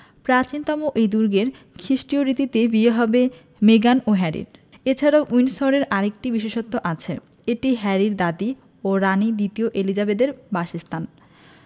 প্রাচীনতম এই দুর্গেই খ্রিষ্টীয় রীতিতে বিয়ে হবে মেগান ও হ্যারির এ ছাড়া উইন্ডসরের আরেকটি বিশেষত্ব আছে এটি হ্যারির দাদি ও রানি দ্বিতীয় এলিজাবেথের বাসস্থান